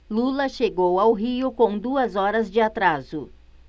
lula chegou ao rio com duas horas de atraso